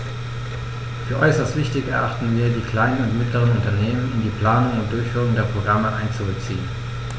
Für äußerst wichtig erachten wir, die kleinen und mittleren Unternehmen in die Planung und Durchführung der Programme einzubeziehen.